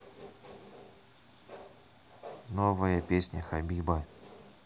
новая песня хабиба